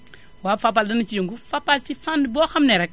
waaw Fapal dana ci yëngu Fapal ci fànn boo xam ne rekk